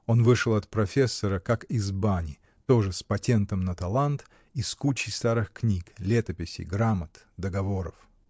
Он вышел от профессора, как из бани, тоже с патентом на талант и с кучей старых книг, летописей, грамот, договоров.